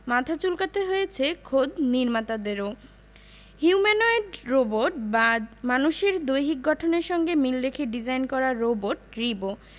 মাথা চুলকাতে হয়েছে খোদ নির্মাতাদেরও হিউম্যানোয়েড রোবট বা মানুষের দৈহিক গঠনের সঙ্গে মিল রেখে ডিজাইন করা রোবট রিবো